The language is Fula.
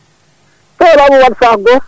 so weelama o waɗa sac goto